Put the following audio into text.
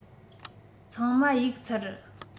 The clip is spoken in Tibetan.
ཚང མ གཡུག ཚར